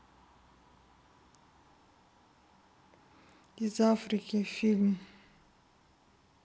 из африки фильм